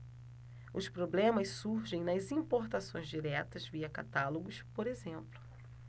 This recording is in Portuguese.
os problemas surgem nas importações diretas via catálogos por exemplo